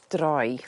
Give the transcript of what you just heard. droi.